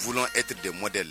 Unu e tɛ de mɔ de la